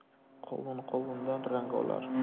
qovun qovundan rang olar